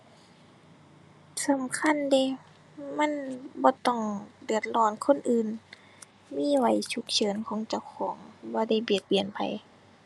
สำคัญเดะ มันบ่ต้องเดือดร้อนคนอื่น มีไว้ฉุกเฉินของเจ้าของ บ่ได้เบียดเบียนไผ